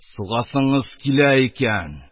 — сугасыңыз килә икән...